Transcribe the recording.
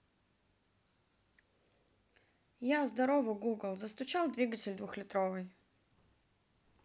я здарова google застучал двигатель двухлитровый